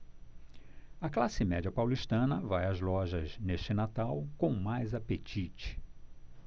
a classe média paulistana vai às lojas neste natal com mais apetite